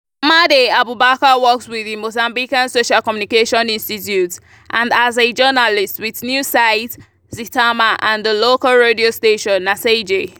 Amade Aoubacar works with the Mozambican Social Communication Institute and as a journalist with news site Zitamar and the local radio station, Nacedje.